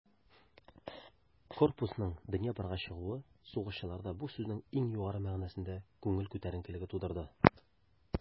Корпусның Днепрга чыгуы сугышчыларда бу сүзнең иң югары мәгънәсендә күңел күтәренкелеге тудырды.